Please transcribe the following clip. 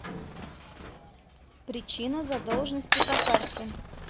причина задолженности по карте